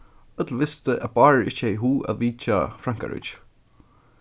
øll vistu at bárður ikki hevði hug at vitja frankaríki